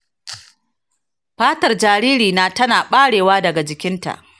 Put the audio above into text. fatar jaririna tana barewa daga jikinta.